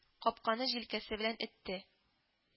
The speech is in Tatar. Капканы җилкәсе белән этте